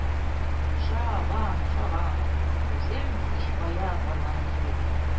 Ча-бам-чабам, үзем һичкая барганымны белмим